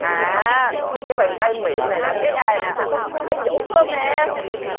à cái bàn tay mịn này là anh biết ai nè bé dũng hông em